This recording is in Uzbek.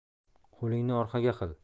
qo'lingni orqaga qil